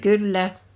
kyllä